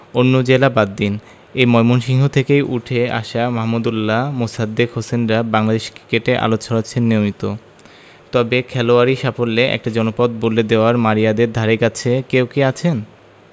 অন্য জেলা বাদ দিন এ ময়মনসিংহ থেকেই উঠে আসা মাহমুদউল্লাহ মোসাদ্দেক হোসেনরা বাংলাদেশ ক্রিকেটে আলো ছড়াচ্ছেন নিয়মিত তবে খেলোয়াড়ি সাফল্যে একটা জনপদ বদলে দেওয়ায় মারিয়াদের ধারেকাছে কেউ কি আছেন